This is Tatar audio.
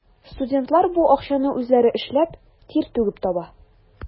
Студентлар бу акчаны үзләре эшләп, тир түгеп таба.